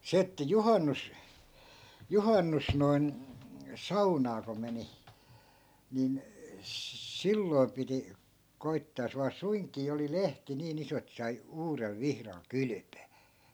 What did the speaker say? se että - juhannus noin saunaan kun meni niin silloin piti koettaa jos vain suinkin oli lehti niin iso että sai uudella vihdalla kylpeä